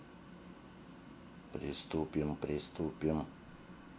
приступим приступим